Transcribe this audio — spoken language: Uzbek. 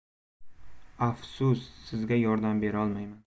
afsus sizga yordam berolmayman